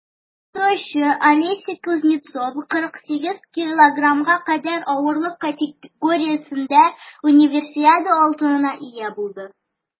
Дзюдочы Алеся Кузнецова 48 кг кадәр авырлык категориясендә Универсиада алтынына ия булды.